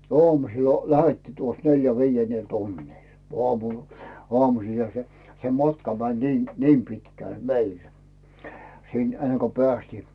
aamusilla lähdettiin tuossa - viidennellä tunnilla aamu aamuisinhan se se matka meni niin niin pitkälle meillä sinne ennen kuin päästiin